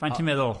Faint ti'n meddwl?